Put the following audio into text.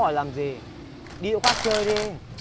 hỏi làm gì đi chỗ khác chơi đi